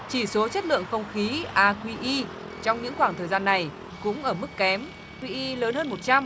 chỉ số chất lượng không khí a quy y trong những khoảng thời gian này cũng ở mức kém quy y lớn hơn một trăm